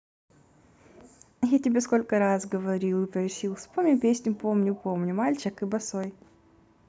я тебе сколько раз говорил и просил спой мне песню помню помню мальчик и босой